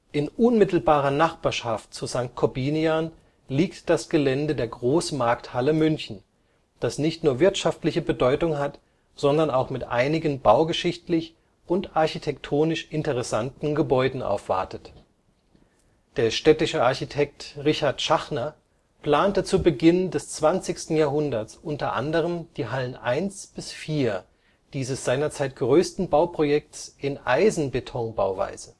In unmittelbarer Nachbarschaft zu St. Korbinian liegt das Gelände der Großmarkthalle München, das nicht nur wirtschaftliche Bedeutung hat, sondern auch mit einigen baugeschichtlich und architektonisch interessanten Gebäuden aufwartet: Der städtische Architekt Richard Schachner plante zu Beginn des 20. Jahrhunderts unter anderem die Hallen 1 bis 4 dieses seinerzeit größten Bauprojekts in Eisenbetonbauweise